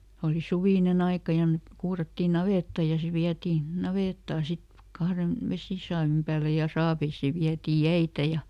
oli suvinen aika ja me kuurattiin navetta ja se vietiin navettaan sitten kahden vesisaavin päälle ja saaveihin vietiin jäitä ja